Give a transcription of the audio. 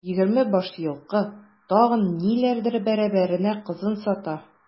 Егерме баш елкы, тагын ниләрдер бәрабәренә кызын сата.